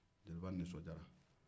jeliba nunsɔndiyara